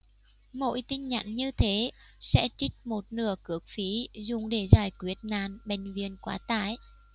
mỗi tin nhắn như thế sẽ trích một nửa cước phí dùng để giải quyết nạn bệnh viện quá tải